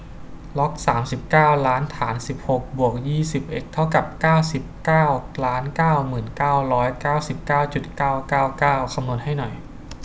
ล็อกสามสิบเก้าล้านฐานสิบหกบวกยี่สิบเอ็กซ์เท่ากับเก้าสิบเก้าล้านเก้าหมื่นเก้าร้อยเก้าสิบเก้าจุดเก้าเก้าเก้าคำนวณให้หน่อย